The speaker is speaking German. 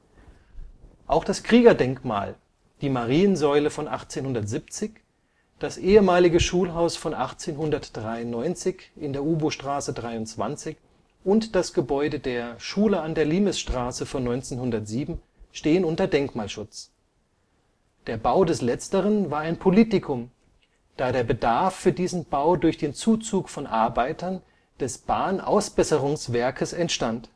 Auch das Kriegerdenkmal, die Mariensäule von 1870, das ehemalige Schulhaus von 1893 in der Ubostraße 23 und das Gebäude der „ Schule an der Limesstraße “von 1907 stehen unter Denkmalschutz. Der Bau des letzteren war ein Politikum, da der Bedarf für diesen Bau durch den Zuzug von Arbeitern des Bahnausbesserungswerkes entstand